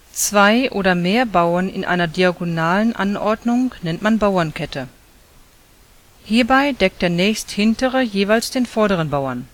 Zwei oder mehr Bauern in einer diagonalen Anordnung nennt man Bauernkette. Hierbei deckt der nächsthintere jeweils den vorderen Bauern